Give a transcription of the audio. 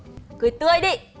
cười tươi đi